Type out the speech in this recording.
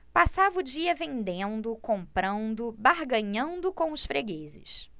passava o dia vendendo comprando barganhando com os fregueses